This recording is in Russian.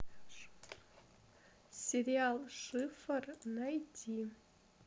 сериал шифр найти